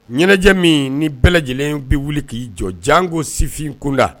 Ɲɛnajɛ min ni bɛɛ lajɛlen bɛ wuli k'i jɔ janko sifin koda